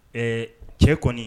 Ɛɛ cɛ kɔni